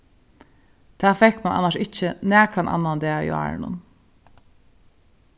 tað fekk mann annars ikki nakran annan dag í árinum